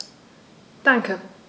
Danke.